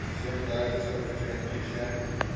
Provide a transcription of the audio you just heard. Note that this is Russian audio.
Всем нравится рыжий англичанин.